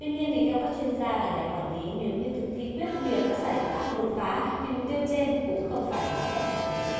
tuy nhiên thì theo các chuyên gia và nhà quản lý nếu như thực thi quyết liệt các giải pháp đột phá thì mục tiêu trên cũng không phải là bất khả thi